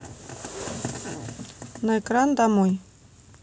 на экран домой